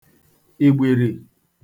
ìgbìrì